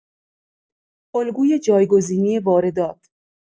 الگوی جایگزینی واردات